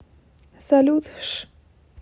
салют ш